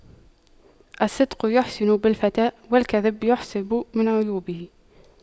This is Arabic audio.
الصدق يحسن بالفتى والكذب يحسب من عيوبه